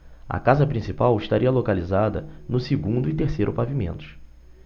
a casa principal estaria localizada no segundo e terceiro pavimentos